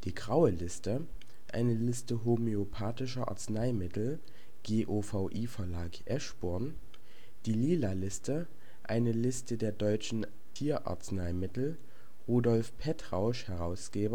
Graue Liste: Liste homöopathischer Arzneimittel (GOVI-Verlag, Eschborn) Lila Liste: Liste der deutschen Tierarzneimittel (Rudolf Petrausch (Hrg.